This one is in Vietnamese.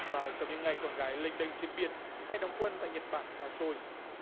và trong những ngày con gái lênh đênh trên biển hay đóng quân tại nhật bản xa xôi